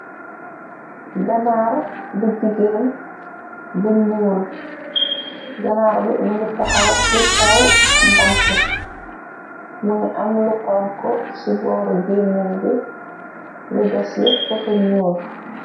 ganaar bu jigeen bu ñuul ganaar bi më ngi taxal ci kaw bant mangi am loxonk ci booru gémeñ gi lu das yepp tefa ñuul